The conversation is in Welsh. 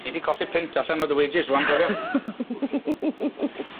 Ti 'di colli punt allan o dy wedjis ŵan cofio?